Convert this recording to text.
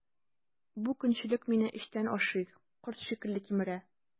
Бу көнчелек мине эчтән ашый, корт шикелле кимерә.